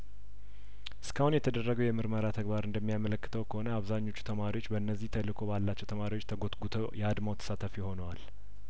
እስካሁን የተደረገው የምርመራ ተግባር እንደሚያመለክተው ከሆነ አብዛኛዎቹ ተማሪዎች በነዚህ ተልእኮ ባላቸው ተማሪዎች ተጐትጉተው የአድማው ተሳታፊ ሆነዋል